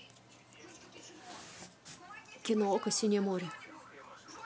кино окко синее море